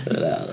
Naddo.